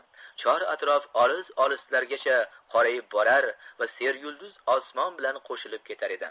chor atrof olis olislargacha qorayib borar va seryulduz osmon bilan qo'shilib ketar edi